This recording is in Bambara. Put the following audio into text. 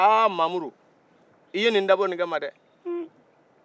haa mamudu i ye nin dabɔ ni kama dɛ